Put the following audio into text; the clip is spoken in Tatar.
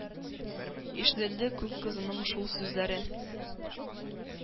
Ишетелде күк кызының шул сүзләре: